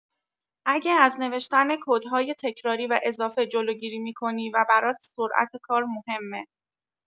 اگه از نوشتن کدهای تکراری و اضافه جلوگیری می‌کنی و برات سرعت کار مهمه